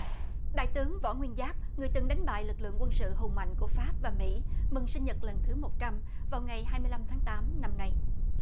đại tướng võ nguyên giáp người từng đánh bại lực lượng quân sự hùng mạnh của pháp và mỹ mừng sinh nhật lần thứ một trăm vào ngày hai mươi lăm tháng tám năm nay